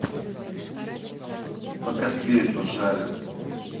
пока тлеют пожары